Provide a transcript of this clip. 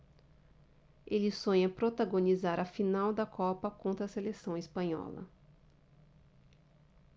ele sonha protagonizar a final da copa contra a seleção espanhola